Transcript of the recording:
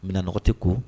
Minannɔkɔ te ko.